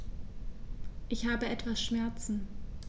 Ich habe etwas Schmerzen.